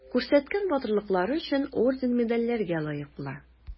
Күрсәткән батырлыклары өчен орден-медальләргә лаек була.